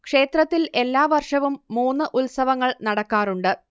ക്ഷേത്രത്തിൽ എല്ലാ വർഷവും മൂന്ന് ഉത്സവങ്ങൾ നടക്കാറുണ്ട്